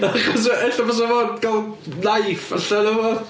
Achos ella fysa fo'n cael knife allan neu rywbeth.